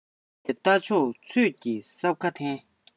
འདོད པའི རྟ མཆོག ཚོད ཀྱིས སྲབ ཁ འཐེན